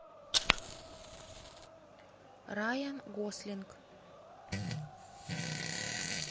райан гослинг